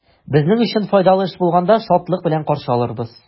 Безнең өчен файдалы эш булганда, шатлык белән каршы алырбыз.